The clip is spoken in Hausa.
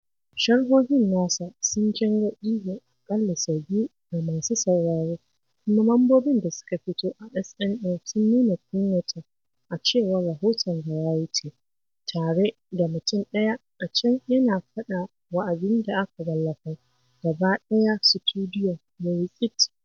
Sharhohin nasa sun janyo ihu aƙalla sau biyu da masu sauraro kuma mambobin da suka fito a SNL sun nuna kunyata, a cewar rahoton Variety, tare da mutum ɗaya a can yana faɗa wa abin da aka wallafar: Gaba ɗaya sutudiyon ya yi tsit."